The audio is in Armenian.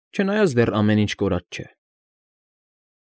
Չնայած դեռ ամեն ինչ կորած չէ։